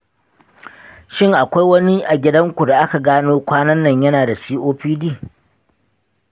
shin akwai wani a gidanku da aka gano kwanan nan yana da copd?